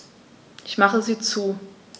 Ich mache sie zu.